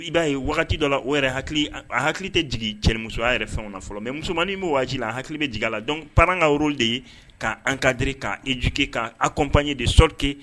I b'a ye wagati dɔ la o a hakili tɛ jigin cɛmusoya yɛrɛ fɛn fɔlɔ mɛ musomanmani bɛ waatijibi la a hakilibe jigin la dɔn paranka de ye' an kadi ka ejjuki ka aw kɔnpye de sɔrike